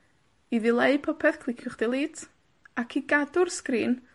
I ddileu popeth, cliciwch Delete, ac i gadw'r sgrin,